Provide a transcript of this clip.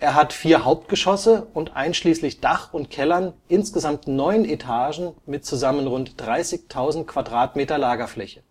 hat vier Hauptgeschosse und einschließlich Dach und Kellern insgesamt neun Etagen mit zusammen rund 30.000 m² Lagerfläche